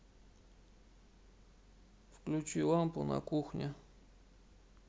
выключи лампу на кухне